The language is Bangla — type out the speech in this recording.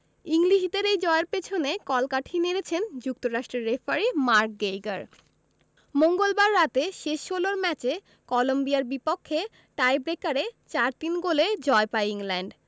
ইংলিশদের এই জয়ের পেছনে কলকাঠি নেড়েছেন যুক্তরাষ্ট্রের রেফারি মার্ক গেইগার মঙ্গলবার রাতে শেষ ষোলোর ম্যাচে কলম্বিয়ার বিপক্ষে টাইব্রেকারে ৪ ৩ গোলে জয় পায় ইংল্যান্ড